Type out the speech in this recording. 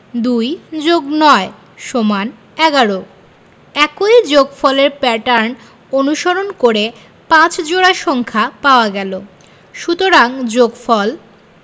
২+৯=১১ ইত্যাদি একই যোগফলের প্যাটার্ন অনুসরণ করে ৫ জোড়া সংখ্যা পাওয়া গেল সুতরাং যোগফল